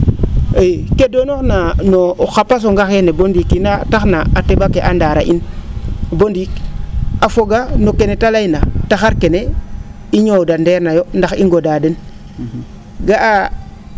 ii ke donooxna no xa posang axeene boo ndiiki taxna a te? ake a ndaara in boo ndiik a foga no kene te layna taxar kene i ñoowdandeernayo ndax i ngodaa den ga'aa